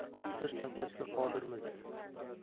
sir saqlashga qodirmiz